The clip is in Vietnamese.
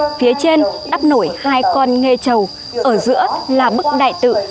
phía trên đắp nổi con nghê chầu ở giữa là bức đại tự